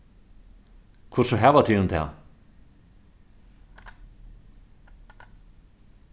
hvussu hava tygum tað